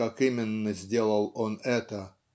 как именно сделал он это?